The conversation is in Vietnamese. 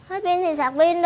hết pin thì sạc pin